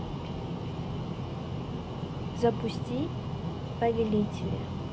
запусти повелители